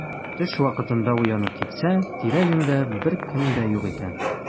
Төш вакытында уянып китсә, тирә-юньдә беркем дә юк икән.